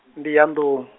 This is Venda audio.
ndi ya ndun-.